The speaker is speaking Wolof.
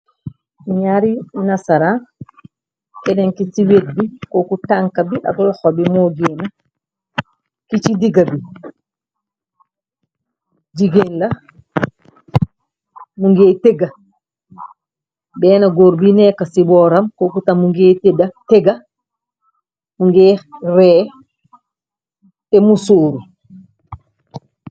Njarri nasaran, kenen kii ci wehtt bii koku tankah bii ak lokho bii mor gehnah, kii chi digah bii, gigain la, mungeh tehgah, benah gorre bi neka cii bohram koku tam mungeh tedah tehgah, mungeh reeh teh musorru.